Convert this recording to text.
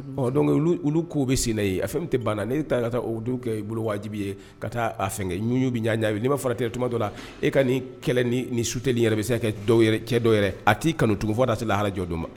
Ɔ dɔn olu k'u bɛ senna ye a fɛn tɛ banna ne tɛ ta ka taa kɛ bolo wajibi ye ka taa a fɛ kɛɲu bɛ ɲa ɲa n'i ma fararetuma dɔ la e ka nin kɛlɛ ni ni su tɛli yɛrɛ bɛ se ka cɛ dɔw yɛrɛ a t'i kanu tun fɔ dati lahajɔdon ma